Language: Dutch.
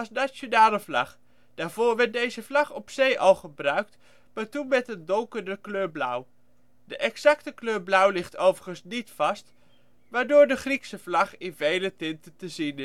nationale vlag. Daarvoor werd deze vlag op zee al gebruikt maar toen met een donkerder kleur blauw. De exacte kleur blauw ligt overigens niet vast, waardoor de Griekse vlag in vele tinten te zien